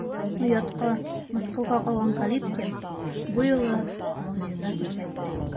Оятка, мыскылга калган Калиткин бу юлы могҗиза күрсәтте.